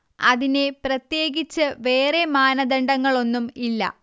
അതിനെ പ്രത്യേകിച്ച് വേറേ മാനദണ്ഡങ്ങൾ ഒന്നും ഇല്ല